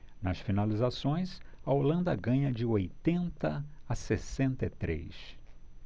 nas finalizações a holanda ganha de oitenta a sessenta e três